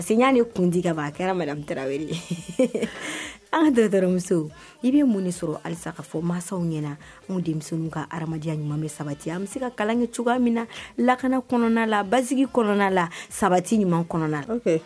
Parce queya ni kuntigi ka a kɛrame tarawele an dɔmusow i bɛ mun sɔrɔ halisa k kaa fɔ mansaw ɲɛna anw denmisɛnnin ka ha adamadenya ɲumanmi sabati an bɛ se ka kalan kɛ cogoya min na lakana kɔnɔna la basigi kɔnɔna la sabati ɲuman kɔnɔna